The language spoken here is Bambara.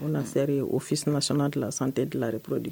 O nare o fiinas dilan san tɛ dilanrep de